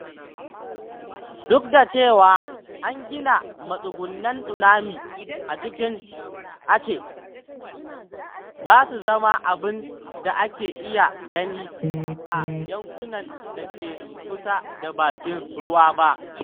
Duk da cewa an gina matsugunan Tsunami a cikin Aceh, ba su zama abin da ake iya gani a yankunan da ke kusa da bakin ruwa ba.